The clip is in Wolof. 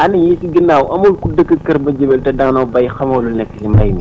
année yii ci ginnaaw amul ku dëkk Kër Madiabel te daanoo béy xamoo lu nekk ci mbéy mi